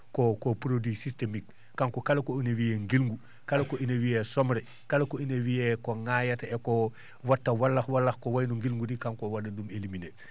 koko produit systémique kanko kala koina wiye gilngu kala ko ine wiyee somre kala ko ine wiye ko ngayata e ko watta walah walah ko wayno gilngu ni kanko o waɗat ɗum éliminé